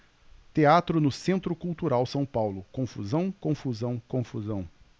teatro no centro cultural são paulo confusão confusão confusão